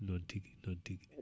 noon tigui noon tigui